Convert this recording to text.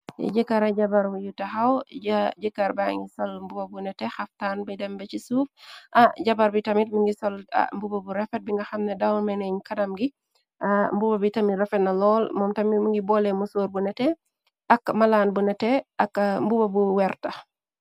t jëkaara jabar yu taxaw jëkaar bay ngi sol mbuba bu nete xaftaan mi dembe ci suuf jabar bi tamit mi ngi sol mbuba bu refer bi nga xamna daw meneeñ karam gi mbuuba bi tamir refet na lool moom tami mi ngi boole mu soor bu nete ak malaan bu nete mbuuba bu werta.